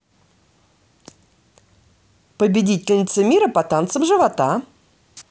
победительница мира по танцам живота